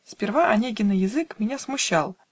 Сперва Онегина язык Меня смущал